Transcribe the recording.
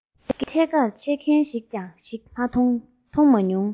སྐད ཆ ཐད ཀར འཆད མཁན ཞིག མཐོང མ མྱོང